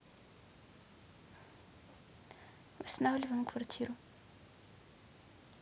восстанавливаем квартиру